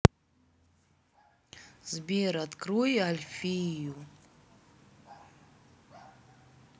сбер открой альфию